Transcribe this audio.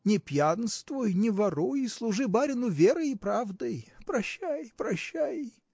Не пьянствуй, не воруй; служи барину верой и правдой. Прощай, прощай!.